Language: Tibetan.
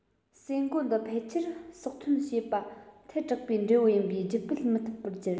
ཟེ མགོ འདི ཕལ ཆེར ཟགས ཐོན བྱས པ ཐལ དྲགས པའི འབྲས བུ ཡིན པས རྒྱུད སྤེལ མི ཐུབ པར གྱུར